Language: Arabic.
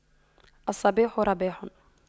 الصباح رباح